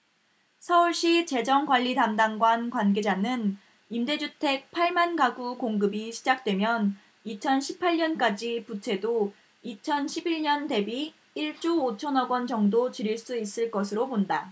서울시 재정관리담당관 관계자는 임대주택 팔 만 가구 공급이 시작되면 이천 십 팔 년까지 부채도 이천 십 일 년 대비 일 조 오 천억원 정도 줄일 수 있을 것으로 본다